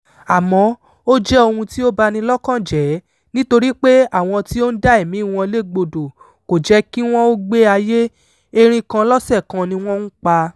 Àmọ́ ó jẹ́ ohun tí ó bani lọ́kàn jẹ́ nítorí pé àwọn tí ó ń dá ẹ̀míi wọn légbodò kò jẹ́ kí wọn ó gbé ayé, erin kan lọ́sẹ̀ kan ni wọ́n ń pa.